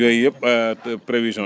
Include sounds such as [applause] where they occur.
yooyu yëpp [hesitation] prévision traditionnelle